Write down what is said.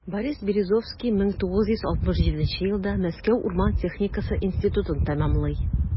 Борис Березовский 1967 елда Мәскәү урман техникасы институтын тәмамлый.